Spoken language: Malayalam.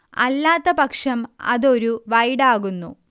അല്ലാത്തപക്ഷം അത് ഒരു വൈഡാകുന്നു